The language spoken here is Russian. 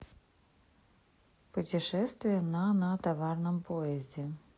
путешествие на на товарном поезде